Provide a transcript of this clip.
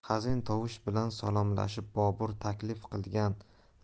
hazin tovush bilan salomlashib bobur taklif